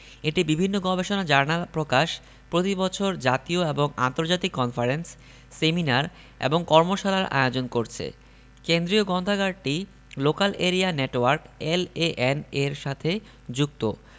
এটি বিভিন্ন গবেষণা জার্নাল প্রকাশ প্রতি বছর জাতীয় এবং আন্তর্জাতিক কনফারেন্স সেমিনার এবং কর্মশালার আয়োজন করছে কেন্দ্রীয় গ্রন্থাগারটি লোকাল এরিয়া নেটওয়ার্ক এলএএন এর সাথে যুক্ত